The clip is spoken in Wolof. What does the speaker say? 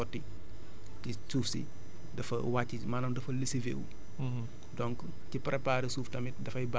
du ko ci am parce que dafay fekk loolu noonu mu sotti ci suuf si dafa wàcc maanaam dafa léssiver wu